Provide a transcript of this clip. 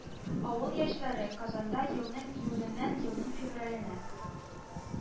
«авыл яшьләре» – казанда елның июленнән елның февраленә